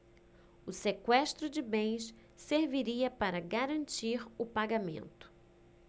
o sequestro de bens serviria para garantir o pagamento